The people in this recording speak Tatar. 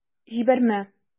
Җибәрмә...